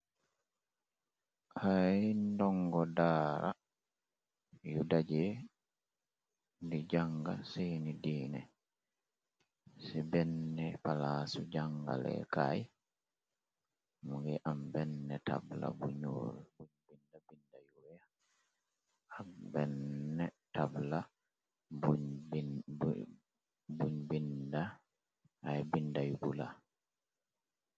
Ay ndongo daara yu daje di jànga sééni diine ci benna palasu jàngalekaay mu ngi am benna tabla bu ñuul, binda binda yu wèèx ak benna tabla buñ binda ay binda yu bula.